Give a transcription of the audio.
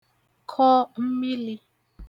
kọ mmilī